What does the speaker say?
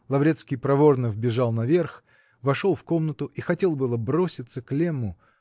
Лаврецкий проворно вбежал наверх, вошел в комнату и хотел было броситься к Лемму